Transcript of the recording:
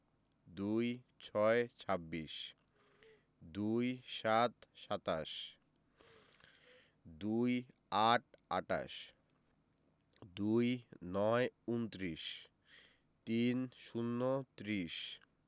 ২৬ – ছাব্বিশ ২৭ – সাতাশ ২৮ - আটাশ ২৯ -ঊনত্রিশ ৩০ - ত্রিশ